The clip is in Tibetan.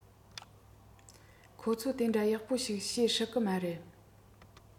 ཁོ ཚོ དེ འདྲ ཡག པོ ཞིག བྱེད སྲིད གི མ རེད